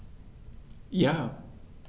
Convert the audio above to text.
Ja.